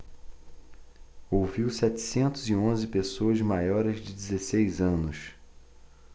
ouviu setecentos e onze pessoas maiores de dezesseis anos